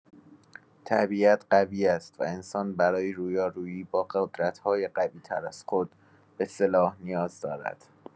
طبیعت قوی است و انسان برای رویارویی با قدرت‌های قوی‌تر از خود، به سلاح نیاز دارد.